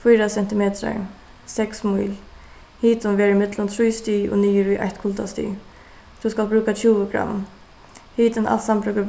fýra sentimetrar seks míl hitin verður millum trý stig og niður í eitt kuldastig tú skalt brúka tjúgu gramm hitin alt